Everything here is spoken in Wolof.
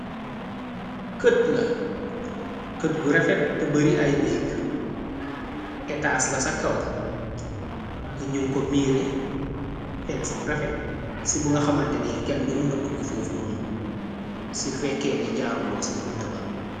Kët la kët bu refet te bari ay nékk etaas la ca kaw a ñun ko miire fenns bu refet ci bu nga xamante ni kenn dumuna duggu fuuf noonu ci fekkeene jaaruloo ci bunta ba.